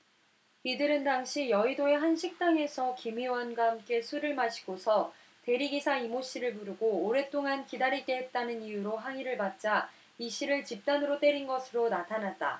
이들은 당시 여의도의 한 식당에서 김 의원과 함께 술을 마시고서 대리기사 이모씨를 부르고 오랫동안 기다리게 했다는 이유로 항의를 받자 이씨를 집단으로 때린 것으로 나타났다